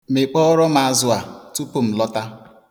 Mịkpọọrọ m azụ a tupu m lọta.